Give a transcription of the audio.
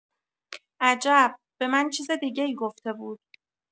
عجب به من چیز دیگه‌ای گفته بود